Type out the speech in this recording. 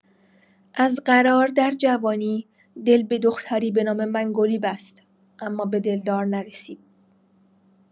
از قرار در جوانی دل به دختری به‌نام منگلی بست اما به دلدار نرسید.